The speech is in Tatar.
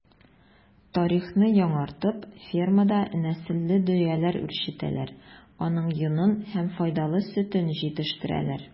Тарихны яңартып фермада нәселле дөяләр үчретәләр, аның йонын һәм файдалы сөтен җитештерәләр.